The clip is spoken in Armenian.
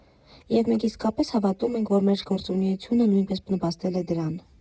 Եվ մենք իսկապես հավատում ենք, որ մեր գործունեությունը նույնպես նպաստել է դրան»։